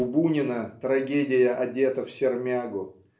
У Бунинн трагедия одета в сермягу